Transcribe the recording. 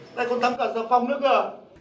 lại còn tắm cả xà phòng nữa cơ à